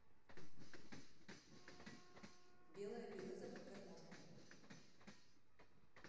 белая береза под гармошку